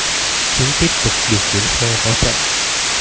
chính tiếp tục điều khiển xe bỏ chạy